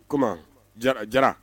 O tuma jara jara